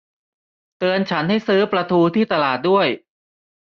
เตือนฉันให้ซื้อปลาทูที่ตลาดด้วย